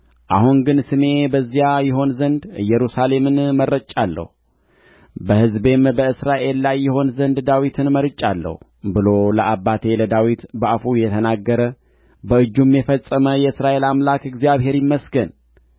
አሁን ግን ስሜ በዚያ ይሆን ዘንድ ኢየሩሳሌምን መርጫለሁ በሕዝቤም በእስራኤል ላይ ይሆን ዘንድ ዳዊትን መርጫለሁ ብሎ ለአባቴ ለዳዊት በአፉ የተናገረ በእጁም የፈጸመ የእስራኤል አምላክ እግዚአብሔር ይመስገን